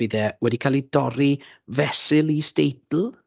Bydd e wedi cael ei dorri fesul is-deitl?